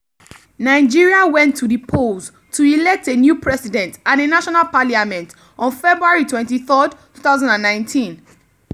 Nigeria went to the polls to elect a new president and a national parliament on February 23, 2019.